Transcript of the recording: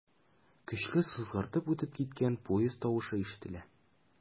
Көчле сызгыртып үтеп киткән поезд тавышы ишетелә.